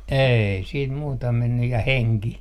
ei sitten muuta mennyt ja henki